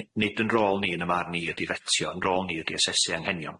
N- nid yn rôl ni yn y marn i ydi fetio yn rôl ni ydi asesu anghenion.